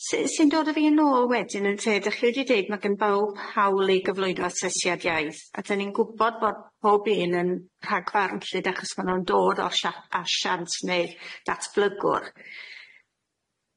Sy- sy'n dod a fi yn ôl wedyn ynte dach chi wedi deud ma' gyn bow hawl i gyflwyno asesiad iaith a dyn ni'n gwbod bod pob un yn rhagfarnllyd achos ma' nw'n dod o'r sia- ashant neu'r datblygwr.